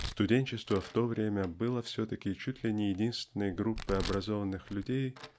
студенчество в то время было все-таки чуть ли не единственной группой образованных людей